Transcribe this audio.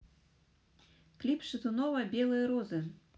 клип шатунов белые розы